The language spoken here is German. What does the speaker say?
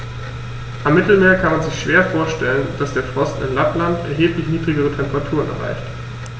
Am Mittelmeer kann man sich schwer vorstellen, dass der Frost in Lappland erheblich niedrigere Temperaturen erreicht.